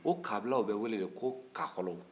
u kablilaw bɛ wele de ko kakɔlɔ